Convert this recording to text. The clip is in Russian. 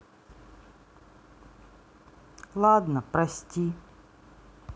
ладно прости